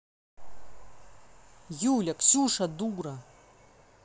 юля ксюша дура